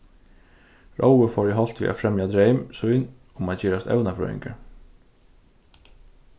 rói fór í holt við at fremja dreym sín um at gerast evnafrøðingur